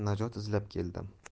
najot izlab keldim